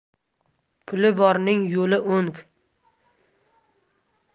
puli borning yo'li o'ng